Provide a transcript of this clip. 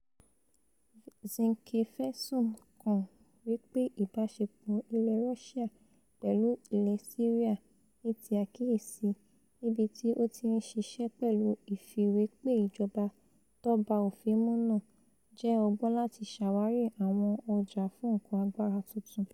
Zinke fẹ̀sùn kàn wí pé ìbáṣepọ̀ ilẹ̀ Rọ́síà pẹ̀lú ilẹ̀ Síríà - níti àkíyèsi, níbití ó ti ńṣiṣẹ́ pẹ̀lù ìfìwépe ìjọba tóbá òfin mu náà - jẹ́ ọgbọń láti ṣáwàrí àwọn ọjà fún nǹkan agbára tuntun.